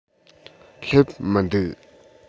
སླེབས མི འདུག